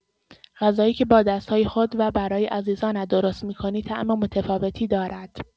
غذایی که با دست‌های خود و برای عزیزانت درست می‌کنی، طعم متفاوتی دارد؛